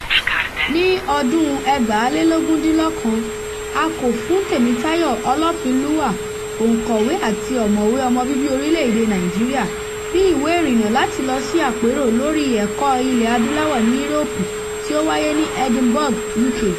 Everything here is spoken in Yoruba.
Ní ọdún-un 2019, a kò fún Tèmítáyọ̀ Ọlọ́finlúà, òǹkọ̀wé àti ọ̀mọ̀wé ọmọbíbí orílẹ̀-èdèe Nàìjíríà, ní ìwé ìrìnnà láti lọ sí Àpérò Lórí Ẹ̀kọ́ Ilẹ̀ Adúláwọ̀ ní Éróòpù tí ó wáyé ní Edinburgh, UK.